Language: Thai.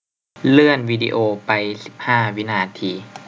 เลื่อนวีดีโอไปสิบห้าวินาที